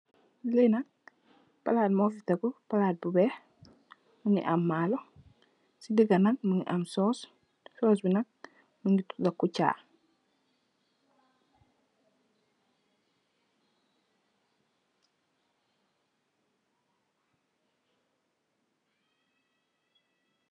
Lii nak plaat mofi tehgu, plaat bu wekh, mungy am maarloh, cii digah nak mungy am sauce, sauce bii nak mungy tuda kucha.